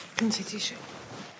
Gen ti tissue?